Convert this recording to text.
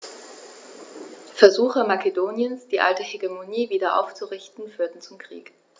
Versuche Makedoniens, die alte Hegemonie wieder aufzurichten, führten zum Krieg.